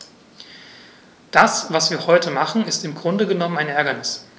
Das, was wir heute machen, ist im Grunde genommen ein Ärgernis.